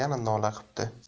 yana nola qipti